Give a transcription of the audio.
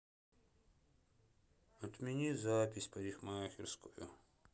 отмени запись в парикмахерскую